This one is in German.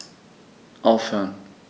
Aufhören.